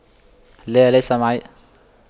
لا ليس معي